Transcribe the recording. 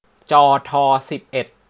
จอทอสิบเอ็ด